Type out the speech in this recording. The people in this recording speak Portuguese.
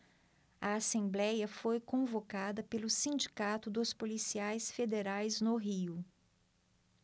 a assembléia foi convocada pelo sindicato dos policiais federais no rio